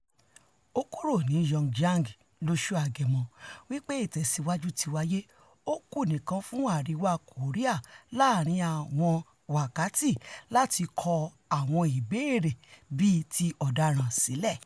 Ó kúró ní Pyongyang lóṣ̵ù Agẹmọ wí pé ìtẹ̀síwájú tíwáyé, ó kù níkan fún Àríwá Kòríà láàrin àwọn wákàtí láti kọ 'àwọn ìbéèrè bíiti-ọ̀daràn'' sílẹ̀.''